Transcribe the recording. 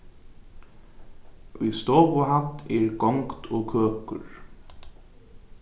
í stovuhædd er gongd og køkur